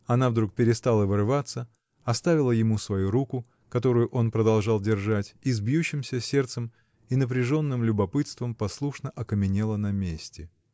Она вдруг перестала вырываться, оставила ему свою руку, которую он продолжал держать, и с бьющимся сердцем и напряженным любопытством послушно окаменела на месте.